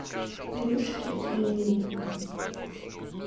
плюшки имени